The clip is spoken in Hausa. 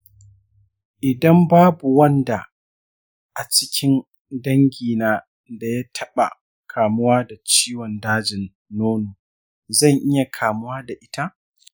idan babu wanda a cikin dangina da ya taɓa kamuwa da ciwon dajin nono, zan iya kamuwa da ita?